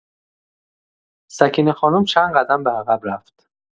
سکینه خانم چند قدم به‌عقب رفت.